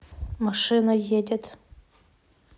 машина едет